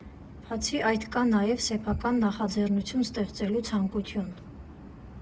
Բացի այդ կար նաև սեփական նախաձեռնություն ստեղծելու ցանկություն։